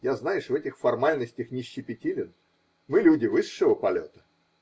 Я, знаешь, в этих формальностях не щепетилен. Мы, люди высшего полета.